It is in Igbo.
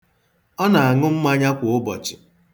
Ọ na-aṅụ mmanya kwa ụbọchị.